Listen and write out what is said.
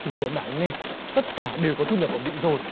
thế bây giờ em bảo anh nghe tất cả đều có thu nhập ổn định rồi